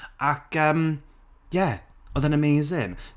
Ac yym ie oedd e'n amazin'.